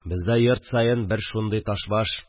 Бездә йорт саен бер шундый ташбаш